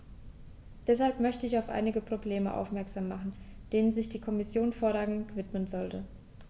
Deshalb möchte ich auf einige Probleme aufmerksam machen, denen sich die Kommission vorrangig widmen sollte.